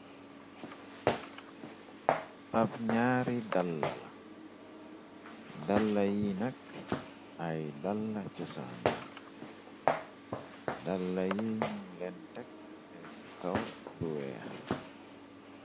Ab ñyaar daala la daala yi nakk ay daala chosaan la daala yi nun lenn tek ci kaw lu weex.